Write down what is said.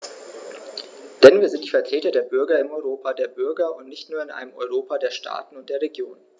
Denn wir sind die Vertreter der Bürger im Europa der Bürger und nicht nur in einem Europa der Staaten und der Regionen.